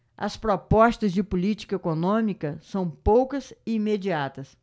as propostas de política econômica são poucas e imediatas